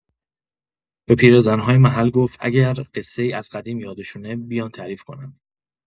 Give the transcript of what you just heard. به پیرزن‌های محل گفت اگر قصه‌ای از قدیم یادشونه، بیان تعریف کنن.